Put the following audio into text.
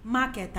Ma kɛ t